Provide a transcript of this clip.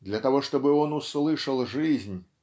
для того чтобы он услышал жизнь